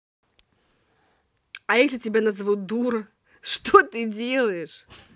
а если тебя назовут дура что ты делаешь